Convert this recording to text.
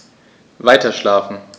Weiterschlafen.